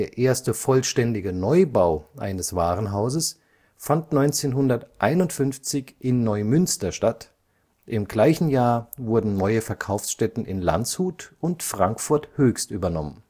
erste vollständige Neubau eines Warenhauses fand 1951 in Neumünster statt, im gleichen Jahr wurden neue Verkaufsstätten in Landshut und Frankfurt-Höchst übernommen